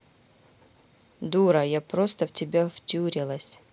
дура я просто в тебя втюрилась